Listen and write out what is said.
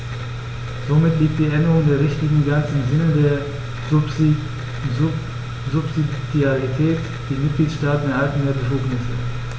Somit liegt die Änderung der Richtlinie ganz im Sinne der Subsidiarität; die Mitgliedstaaten erhalten mehr Befugnisse.